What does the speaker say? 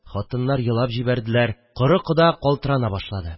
Хатыннар елап җибәрделәр. Коры кода калтырана башлады